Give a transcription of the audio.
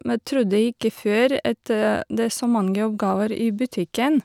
me Trodde ikke før at det er så mange oppgaver i butikken.